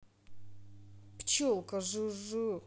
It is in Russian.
пчелка жу жу